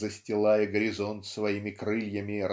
застилая горизонт своими крыльями